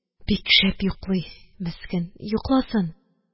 Бик шәп йоклый, мескен, йокласын,